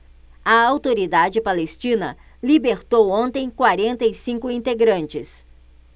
a autoridade palestina libertou ontem quarenta e cinco integrantes